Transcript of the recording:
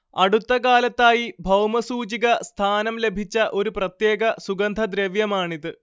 അടുത്തകാലത്തായി ഭൗമസൂചിക സ്ഥാനം ലഭിച്ച ഒരു പ്രത്യേക സുഗന്ധദ്രവ്യമാണിത്